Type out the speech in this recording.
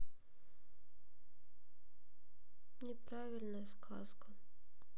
неправильная сказка